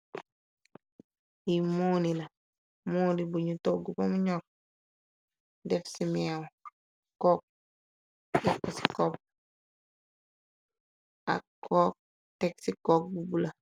Yi mooni la mooni buñu togg bamu ñor def ci meew kook yaxq ci kopp ak kook teg ci kook bu bula.